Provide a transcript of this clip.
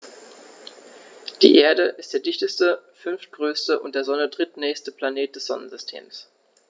Die Erde ist der dichteste, fünftgrößte und der Sonne drittnächste Planet des Sonnensystems.